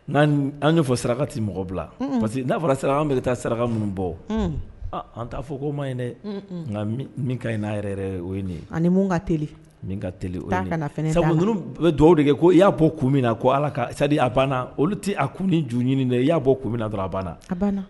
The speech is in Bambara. N' an fɔ saraka tɛ mɔgɔ bila parce que n'a fɔra sira an bɛ taa saraka minnu bɔ an t' fɔ ko' ma ye dɛ nka min ka n'a yɛrɛ o ye nin ye ani mun ka teli min ka teli o kana sa minnu bɛ dugawu de kɛ ko i y'a bɔ kun min na ko ala ka sadi a banna olu tɛ a kun ni jo ɲini dɛ i y'a bɔ ku mina na dɔrɔn a banna a banna